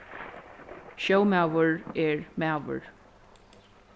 sjómaður er maður